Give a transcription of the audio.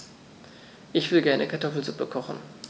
Ich will gerne Kartoffelsuppe kochen.